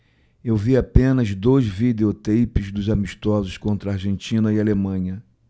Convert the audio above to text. eu vi apenas dois videoteipes dos amistosos contra argentina e alemanha